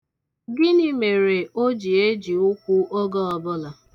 Gịnị mere o ji eji ukwu oge ọbụla?